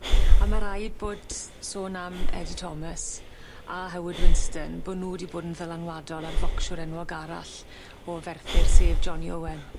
A ma' raid bod sôn am Eddie Thomas a Howard Winston bo' nw 'di bod yn ddylanwadol ar focsiwr enwog arall o ferthyr sef Johnny Owen.